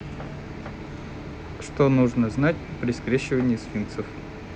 что нужно знать при скрещивании сфинксов